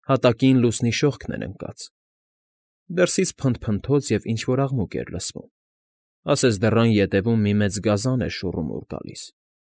Հատակին լուսնի շողքն էր ընկած։ Դրսից փնթփնթոց և ինչ֊որ աղմուկ էր լսվում, ասես դռան ետևում մի մեծ գազան էր շուռումուռ գալիս։